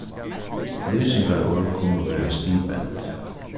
lýsingarorð kunnu verða stigbend